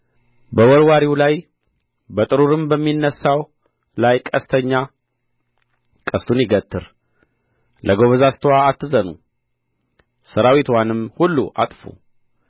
በወርዋሪው ላይ በጥሩርም በሚነሣው ላይ ቀስተኛው ቀስቱን ይገትር ለጐበዛዝትዋ አትዘኑ ሠራዊትዋንም ሁሉ አጥፉ